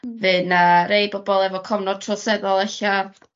Fydd 'na rei bobol efo cofnod troseddol e'lla.